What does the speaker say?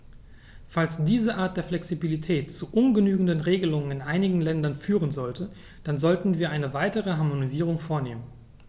Falls diese Art der Flexibilität zu ungenügenden Regelungen in einigen Ländern führen sollte, dann sollten wir eine weitere Harmonisierung vornehmen.